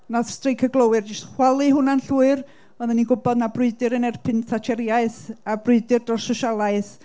wnaeth streic y glowyr jyst chwalu hwnna'n llwyr, roeddwn i'n gwybod na brwydyr yn erbyn thatcheriaith a brwydyr dros y sosialaeth,